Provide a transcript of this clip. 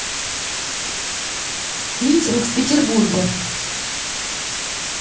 митинг в петербурге